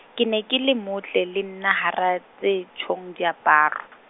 ke ne ke le motle le nna hara, tse tjhong diaparo.